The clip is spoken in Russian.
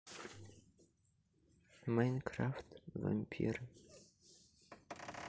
майнкрафт вампиры